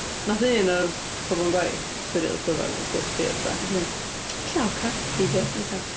Wnaeth un o'r pobl yn gwaith, sy rili clyfar efo PhD a pethau, wnaeth hi fynd "Ella okapi 'di o?". O'n i fatha...